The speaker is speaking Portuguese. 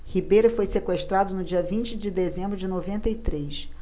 ribeiro foi sequestrado no dia vinte de dezembro de noventa e três